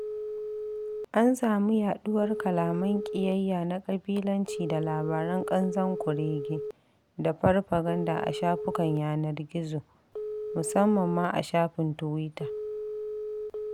An samu yaɗuwar kalaman ƙiyayya na ƙabilanci da labaran ƙanzon kurege da farfaganda a shafukan yanar gizo, musamman ma a shafin tuwita.